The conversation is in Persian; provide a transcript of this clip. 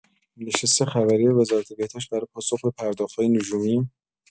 نشست خبری وزارت بهداشت برای پاسخ به پرداخت‌های نجومی